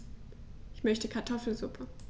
Ich möchte Kartoffelsuppe.